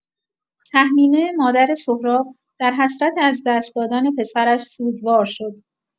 تهمینه، مادر سهراب، در حسرت از دست دادن پسرش سوگوار شد.